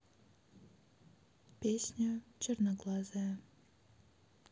песня черноглазая